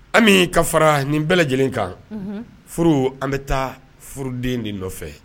Ami ka fara nin bɛɛ lajɛlen kan. Unhun furu an bi taa furuden de nɔfɛ.